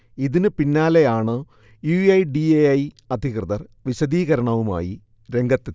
ഇതിന് പിന്നാലെയാണ് U. I. D. A. I. അധികൃർ വിശദീകരണവുമായി രംഗത്തെത്തിയത്